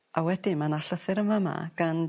A wedyn ma' 'na llythyr yn fa' 'ma gan...